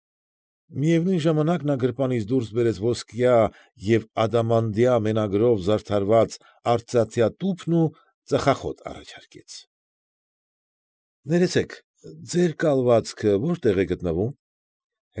Միևնույն ժամանակ, նա գրպանից դուրս բերեց ոսկյա և ադամանդյա մենագրերով զարդարված արծաթյա տուփն ու ծխախոտ առաջարկեց։ ֊ Ներեցեք, ձեր կալվածքը որտե՞ղ է գտնվում,֊